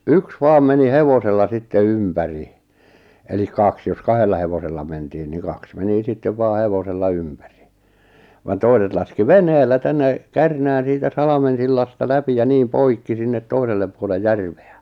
yksi vain meni hevosella sitten ympäri eli kaksi jos kahdella hevosella mentiin niin kaksi meni sitten vain hevosella ympäri vaan toiset laski veneellä tänne Kärnään siitä Salmensillasta läpi ja niin poikki sinne toiselle puolen järveä